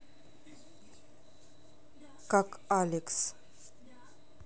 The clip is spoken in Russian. как алекс